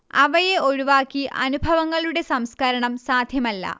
അവയെ ഒഴിവാക്കി അനുഭവങ്ങളുടെ സംസ്കരണം സാധ്യമല്ല